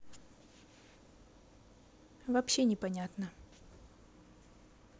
вообще непонятно